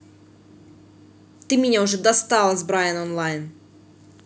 ты меня уже достала с brain онлайн